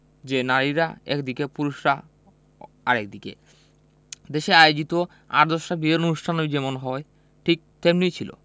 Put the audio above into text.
যে নারীরা একদিকে পুরুষেরা আরেক দিকে দেশে আয়োজিত আর দশটা বিয়ের অনুষ্ঠানই যেমন হয় ঠিক তেমনি ছিল